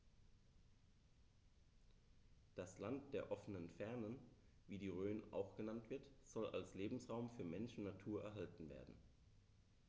Das „Land der offenen Fernen“, wie die Rhön auch genannt wird, soll als Lebensraum für Mensch und Natur erhalten werden.